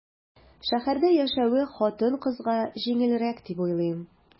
Шәһәрдә яшәве хатын-кызга җиңелрәктер дип уйлыйм.